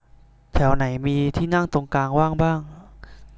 แถวไหนมีที่นั่งตรงกลางว่างบ้าง